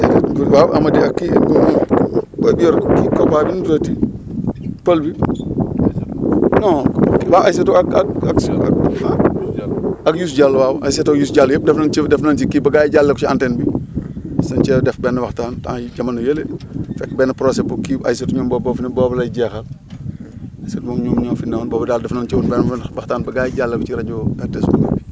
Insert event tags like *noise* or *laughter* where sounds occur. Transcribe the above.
déedéet waaw Amady ak kii *noise* booy bi yor waaw nu mu tuddati *noise* pël bi non waaw Aïssatou ak ak ak Youssou Diallo waaw Aïssatoog Youssou Diallo yëpp def nañ ci def nañ ci kii ba gars yi jàllale ko ci antenne bi *noise* mos nañ cee def benn waxtaan temps yi jamono yële *noise* fekk benn projet bu kii wu Aïssatou ñoom boobu boobu lay jeexal *noise* si moog ñoom ñoo fi newoon boobu daal def nañ ci woon benn waxtaan ba gars yi jàllale ko ci rajo RTS Louga